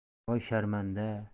voy sharmanda